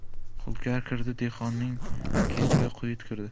hut kirdi dehqonning ketiga quit kirdi